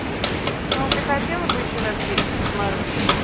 ты хотела бы еще раз встретиться с марусей